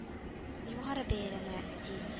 Югары бәяләнә ди